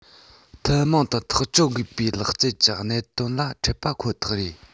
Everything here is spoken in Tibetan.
ཐུན མོང དུ ཐག གཅོད དགོས པའི ལག རྩལ གྱི གནད དོན ལ འཕྲད པ ཁོ ཐག རེད